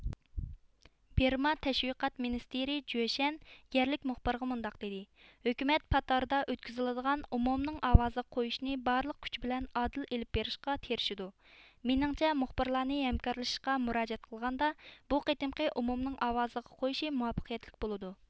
بىرما تەشۋىقات مىنىستىرى جۆشەن يەرلىك مۇخبىرغا مۇنداق دېدى ھۆكۈمەت پات ئارىدا ئۆتكۈزۈلىدىغان ئومۇمنىڭ ئاۋازىغا قويۇشىنى بارلىق كۈچى بىلەن ئادىل ئېلىپ بېرىشقا تىرىشىدۇ مېنىڭچە مۇخبىرلارنى ھەمكارلىشىشقا مۇراجىئەت قىلغاندا بۇ قېتىمقى ئومۇمنىڭ ئاۋازىغا قويۇشى مۇۋەپپەقىيەتلىك بولىدۇ